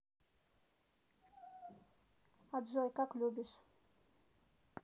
а джой как любишь